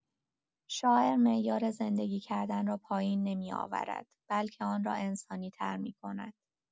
شاعر معیار زندگی کردن را پایین نمی‌آورد، بلکه آن را انسانی‌تر می‌کند.